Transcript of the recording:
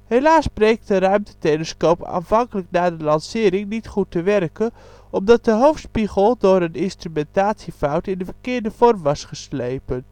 Helaas bleek de ruimtetelescoop aanvankelijk na de lancering niet goed te werken omdat de hoofdspiegel door een instrumentatiefout in de verkeerde vorm was geslepen